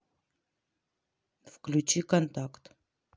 включи контакт